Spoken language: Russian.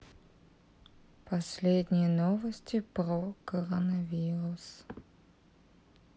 последние новости про коронавирус